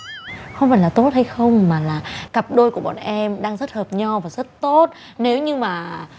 không phải là tốt hay không mà là cặp đôi của bọn em đang rất hợp nhau và rất tốt nếu như mà